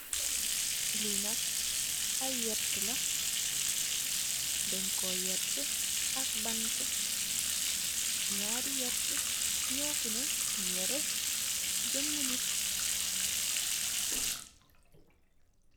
Linak aye yeteh la danj ku yeteh ak banteh nyari yeteh mufi neka teyeh nyari jemmu nitt.